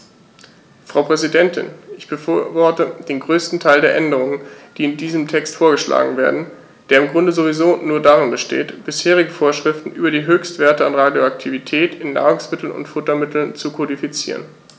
Frau Präsidentin, ich befürworte den größten Teil der Änderungen, die in diesem Text vorgeschlagen werden, der im Grunde sowieso nur darin besteht, bisherige Vorschriften über die Höchstwerte an Radioaktivität in Nahrungsmitteln und Futtermitteln zu kodifizieren.